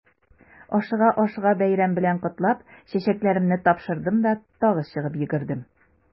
Ашыга-ашыга бәйрәм белән котлап, чәчәкләремне тапшырдым да тагы чыгып йөгердем.